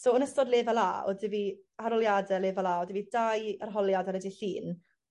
so yn ystod lefel A o'dd 'dy fi arholiad lefel A o'dd 'dy fi dau arholiad ar y dy' Llun